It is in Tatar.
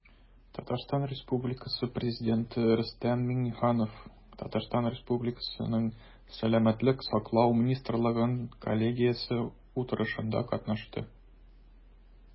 Татарстан Республикасы Президенты Рөстәм Миңнеханов ТР Сәламәтлек саклау министрлыгының коллегиясе утырышында катнашты.